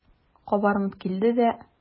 Кабарынып килде дә.